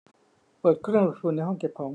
เปิดเครื่องดูดฝุ่นในห้องเก็บของ